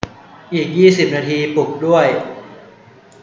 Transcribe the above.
อีกยี่สิบนาทีปลุกด้วย